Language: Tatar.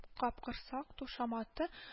Капкорсак, кушаматы